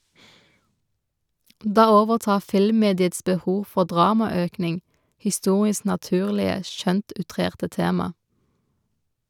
Da overtar filmmediets behov for dramaøkning historiens naturlige - skjønt outrerte - tema.